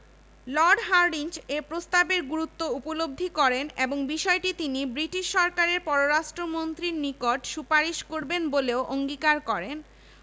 Lord Hardinge এ প্রস্তাবের গুরুত্ব উপলব্ধি করেন এবং বিষয়টি তিনি ব্রিটিশ সরকারের পররাষ্ট্র মন্ত্রীর নিকট সুপারিশ করবেন বলেও অঙ্গীকার করেন